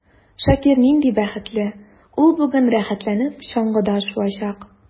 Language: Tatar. Шакир нинди бәхетле: ул бүген рәхәтләнеп чаңгыда шуачак.